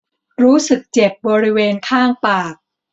รู้สึกเจ็บบริเวณข้างปาก